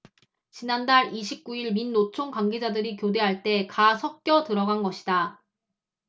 지난달 이십 구 일 민노총 관계자들이 교대할 때 가 섞여 들어간 것이다